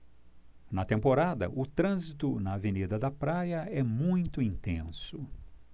na temporada o trânsito na avenida da praia é muito intenso